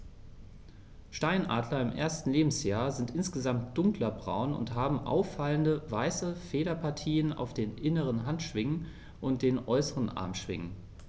Steinadler im ersten Lebensjahr sind insgesamt dunkler braun und haben auffallende, weiße Federpartien auf den inneren Handschwingen und den äußeren Armschwingen.